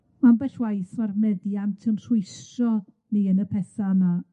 Ambell waith ma'r meddiant yn rhwystro ni yn y petha 'na.